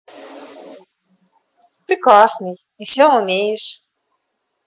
ты классный и все умеешь